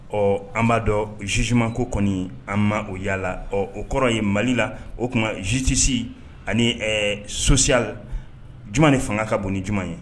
Ɔ an b'a dɔn zzuumako kɔni an ma o yalala ɔ o kɔrɔ ye mali la o tuma zutisi ani sosoya juma ni fanga ka bon ni ɲumanuma ye